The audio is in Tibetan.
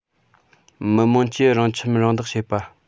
མི དམངས ཀྱིས རང ཁྱིམ རང བདག བྱེད པ